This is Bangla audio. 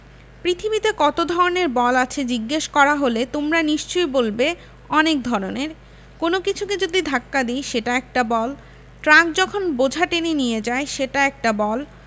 পৃথিবীতে কত ধরনের বল আছে জিজ্ঞেস করা হলে তোমরা নিশ্চয়ই বলবে অনেক ধরনের কোনো কিছুকে যদি ধাক্কা দিই সেটা একটা বল ট্রাক যখন বোঝা টেনে নিয়ে যায় সেটা একটা বল